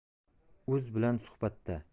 uz bilan suhbatda